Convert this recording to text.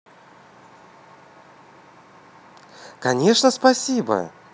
конечно спасибо